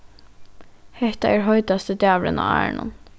hetta er heitasti dagurin á árinum